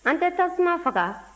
an tɛ tasuma faga